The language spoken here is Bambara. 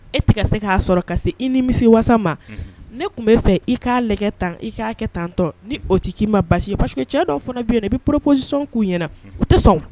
E tɛ ka se k'a sɔrɔ ka se i nimisiwasa ma, unhun, ne tun bɛ fɛ i k'a lajɛ tan i k'a kɛ tan tɔn ni o tɛ k'i ma baasi ye parce que cɛ dɔw fana bɛ yen nɔ i bɛ proposition k'u ɲɛna u tɛ sɔn